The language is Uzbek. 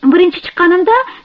birinchi chiqqanimda